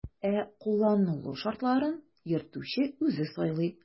Ә кулланылу шартларын йөртүче үзе сайлый.